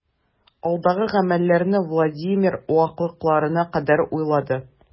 Алдагы гамәлләрне Владимир ваклыкларына кадәр уйлады.